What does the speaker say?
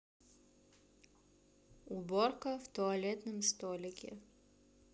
уборка в туалетном столике